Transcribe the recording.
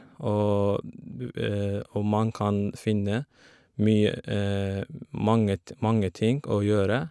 og Og man kan finne mye mange t mange ting å gjøre.